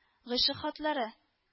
Гыйшык хатлары